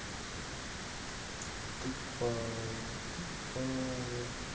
тупая тупая